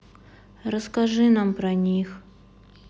расскажи нам про них